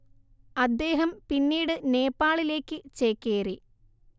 അദ്ദേഹം പിന്നീട് നേപ്പാളിലേക്ക് ചേക്കേറി